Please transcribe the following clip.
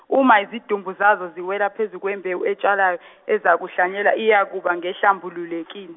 uma izidumbu zazo ziwela phezu kwembewu etshalwayo , ezakuhlanyelwa iyakuba ngehlambululekile-.